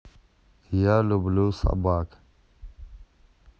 я люблю собак